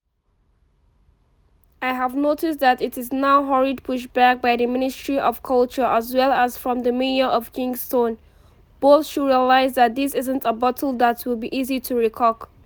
I have noticed that there is now hurried pushback by the Ministry of Culture as well as from the Mayor of Kingston. Both should realize that this isn’t a bottle that will be easy to re-cork.